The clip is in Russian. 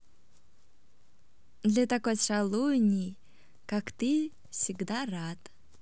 для такой шалуний как ты всегда рад